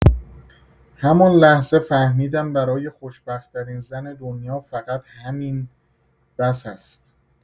همان لحظه فهمیدم برای خوشبخت‌ترین زن دنیا فقط همین بس است.